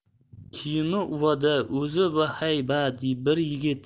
kiyimi uvada o'zi bahaybat bir yigit